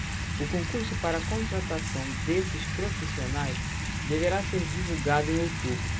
o concurso para contratação desses profissionais deverá ser divulgado em outubro